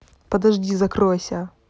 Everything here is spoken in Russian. подожди закройся